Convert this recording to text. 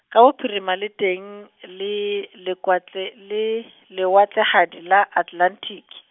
ka bophirima le teng, le lekwatle- le lewatlehadi la Atlantic.